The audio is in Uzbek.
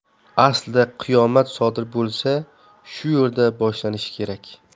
aslida qiyomat sodir bo'lsa shu yerda boshlanishi kerak